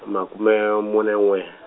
makhume mune n'we .